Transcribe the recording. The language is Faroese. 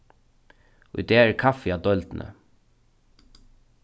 í dag er kaffi á deildini